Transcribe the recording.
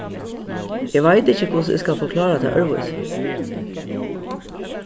eg veit ikki hvussu eg skal forklára tað øðrvísi